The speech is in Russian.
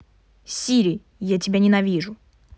сири я тебя ненавижу